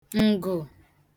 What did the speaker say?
ǹgụ̀